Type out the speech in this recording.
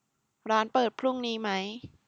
ร้านเปิดพรุ่งนี้ไหม